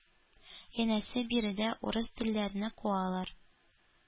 Янәсе, биредә «урыс теллеләрне» куалар,